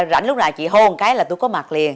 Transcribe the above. rảnh lúc nào chị hô một cái là tôi có mặt liền